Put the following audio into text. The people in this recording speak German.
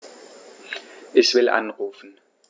Ich will anrufen.